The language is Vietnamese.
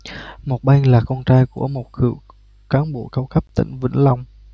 một bên là con trai của một cựu cán bộ cao cấp tỉnh vĩnh long